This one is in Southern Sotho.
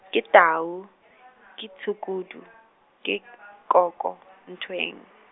ke Tau, ke Tshukudu, ke koko ntweng.